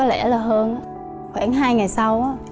có lẽ là hơn đó khoảng hai ngày sau á